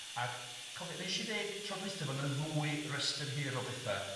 ac cofio wnes i ddeud tro dwytha bo' 'na ddwy restyr hir o betha